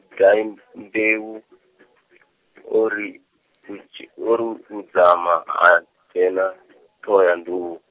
dyam- -mbeu, o ri, o ri u dzama ha, dzhena, Ṱhohoyanḓou.